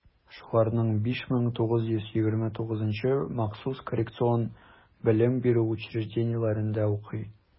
Шуларның 5929-ы махсус коррекцион белем бирү учреждениеләрендә укый.